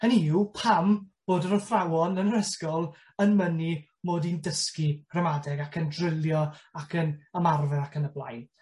Hynny yw pam bod yr athrawon yn yr ysgol yn mynnu mod i'n dysgu ramadeg ac yn drilio ac yn ymarfer ac yn y blaen.